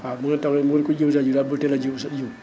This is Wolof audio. waaw * taw rek * sa ji daal bul teel a jiwu sa jiwu